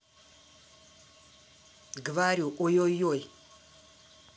говорю ой ой ой